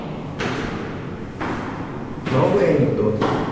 новый анекдот